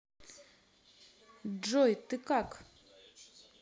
джой ты как